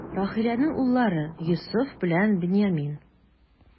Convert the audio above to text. Рахиләнең уллары: Йосыф белән Беньямин.